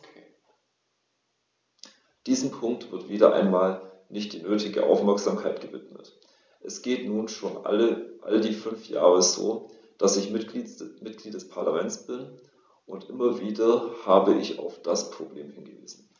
Diesem Punkt wird - wieder einmal - nicht die nötige Aufmerksamkeit gewidmet: Das geht nun schon all die fünf Jahre so, die ich Mitglied des Parlaments bin, und immer wieder habe ich auf das Problem hingewiesen.